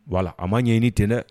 Wala a ma ɲɛɲini tɛ dɛ